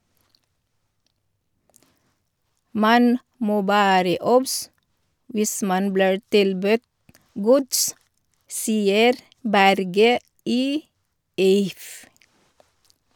Man må være obs hvis man blir tilbudt gods, sier Berge i If.